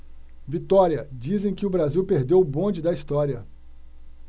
vitória dizem que o brasil perdeu o bonde da história